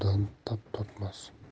suvdan tap tortmas